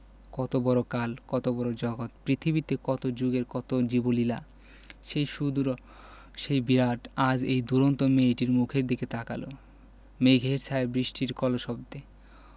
কত বড় কাল কত বড় জগত পৃথিবীতে কত জুগের কত জীবলীলা সেই সুদূর সেই বিরাট আজ এই দুরন্ত মেয়েটির মুখের দিকে তাকাল মেঘের ছায়ায় বৃষ্টির কলশব্দে